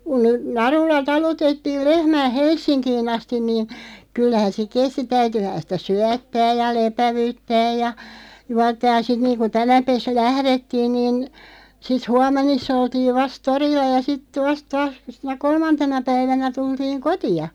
kun narulla talutettiin lehmää Helsinkiin asti niin kyllähän se kesti täytyihän sitä syöttää ja lepäyttää ja juottaa ja sitten niin kuin tänä päivänä lähdettiin niin sitten huomenissa oltiin vasta torilla ja sitten vasta taas sinä kolmantena päivänä tultiin kotiin